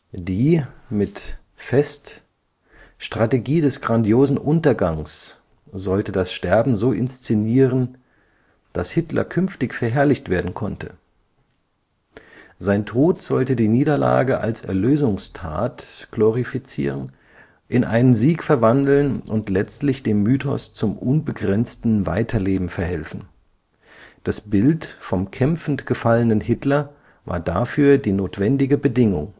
Die, mit Fest, ‘Strategie des grandiosen Untergangs’ sollte das Sterben so inszenieren, dass Hitler künftig verherrlicht werden konnte. […] Sein Tod sollte die Niederlage als Erlösungstat glorifizieren, in einen Sieg verwandeln und letztlich dem Mythos zum unbegrenzten Weiterleben verhelfen. Das Bild vom kämpfend gefallenen Hitler war dafür die notwendige Bedingung